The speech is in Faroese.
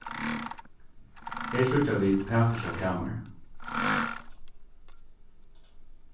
her síggja vit pætursa kamar